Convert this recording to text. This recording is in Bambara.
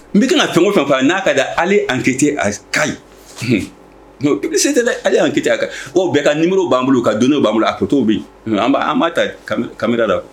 N bɛka ka fɛnko fɛn n'a ka di ale ankite a ka p se tɛ ale'anke a kan o bɛɛ ka niru b'an bolo ka don b'an bolo a kotobi an' ta kamamira la